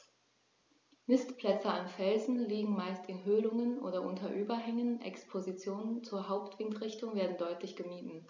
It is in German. Nistplätze an Felsen liegen meist in Höhlungen oder unter Überhängen, Expositionen zur Hauptwindrichtung werden deutlich gemieden.